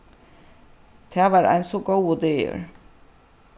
tað var ein so góður dagur